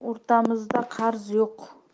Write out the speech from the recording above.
o'rtamizda qarz yo'q